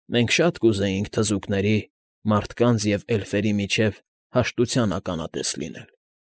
Մենք շատ կուզեինք թզուկների, մարդկանց և էլֆերի միջև հաշտության ականատես լինել։